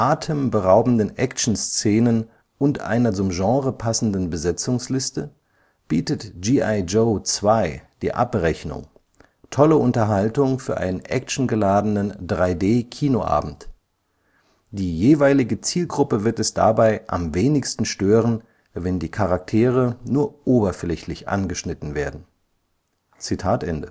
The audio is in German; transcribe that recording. atemberaubenden Actionszenen und einer zum Genre passenden Besetzungsliste bietet G.I. JOE 2: DIE ABRECHNUNG tolle Unterhaltung für einen actiongeladenen 3D-Kinoabend. Die jeweilige Zielgruppe wird es dabei am wenigsten stören, wenn die Charaktere nur oberflächlich angeschnitten werden. “–